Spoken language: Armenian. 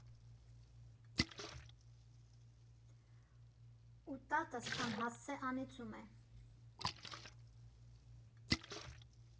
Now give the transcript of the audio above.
Ու տատս անհասցե անիծում է.